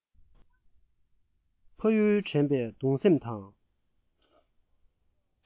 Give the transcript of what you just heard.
ཕ ཡུལ དྲན པའི གདུང སེམས དང